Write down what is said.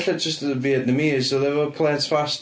Ella jyst y Vietnamese oedd o efo planes fast.